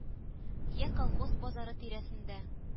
Йә колхоз базары тирәсендә